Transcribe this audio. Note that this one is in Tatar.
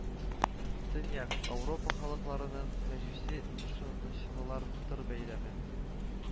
Төньяк Аурупа халыкларның мәҗүси ышанычлары Тор бәйрәме